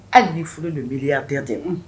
Hali n'i furulen don milliardaire de ma unhun